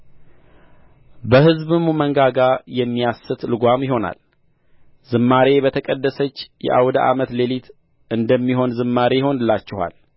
በሕዝብም መንጋጋ የሚያስት ልጓም ይሆናል ዝማሬ በተቀደሰች የዐውደ ዓመት ሌሊት እንደሚሆን ዝማሬ ይሆንላችኋል ወደ እግዚአብሔርም ተራራ